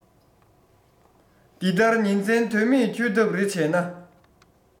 འདི ལྟར ཉིན མཚན དོན མེད འཁྱོལ ཐབས རེ བྱས ན